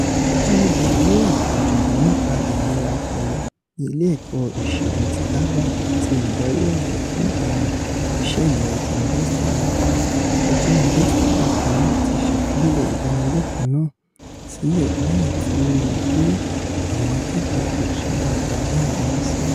Paul Barreira, ọ̀jọ̀gbọ́n nípa ìlera ọpọlọ ní ilé ẹ̀kọ́ ìṣègùn ti Harvard àti olùdarí àgbà fún àwọn iṣẹ́ ìlera ti yunifásítì náà, sọ pé yunifásítì náà pinnu láti ṣàfilọ́lẹ̀ ìdánilẹ́kọ̀ọ́ náà sílẹ̀ lẹ́yìn tí ó rí i pé àwọn akẹ́kọ̀ọ́ kò sùn dáadáa láàárín ọ̀sẹ̀.